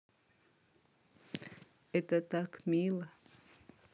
это так мило